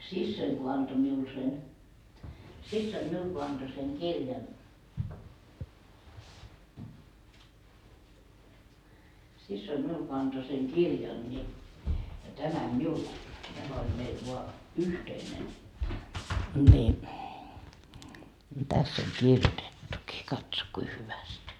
siskoni kun antoi minulle sen siskoni minulle kun antoi sen kirjan siskoni minulle kun antoi sen kirjan niin tämän minulle tämä oli meillä vain yhteinen niin tässä on kirjoitettukin katso kuinka hyvästi